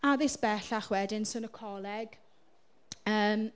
Addysg bellach wedyn. So yn y coleg yym...